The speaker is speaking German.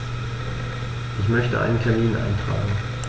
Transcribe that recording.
Ich möchte einen Termin eintragen.